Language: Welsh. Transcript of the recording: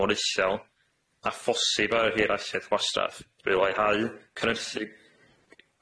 mor ishal a phosib ar y hirarshaeth wastraff i leihau cynyrthu-